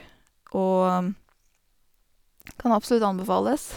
Og kan absolutt anbefales.